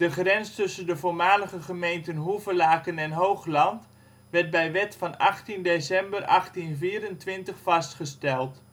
grens tussen de voormalige gemeenten Hoevelaken en Hoogland werd bij wet van 18 december 1824 vastgesteld